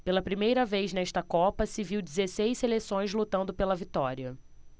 pela primeira vez nesta copa se viu dezesseis seleções lutando pela vitória